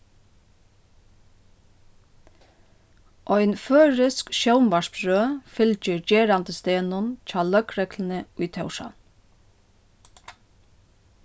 ein føroysk sjónvarpsrøð fylgir gerandisdegnum hjá løgregluni í tórshavn